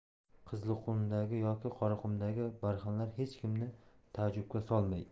qizilqumdagi yoki qoraqumdagi barxanlar hech kimni taajjubga solmaydi